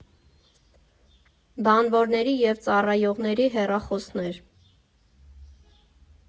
Բանվորների և ծառայողների հեռախոսներ.